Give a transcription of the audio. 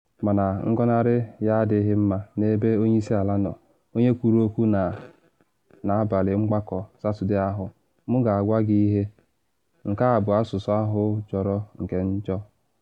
Mana ngọnarị ya adịghị mma n’ebe onye isi ala nọ, onye kwuru okwu na n’abalị mgbakọ Satọde ahụ: “M ga-agwa gị ihe, nke a bụ asụsụ ahụ jọrọ oke njọ.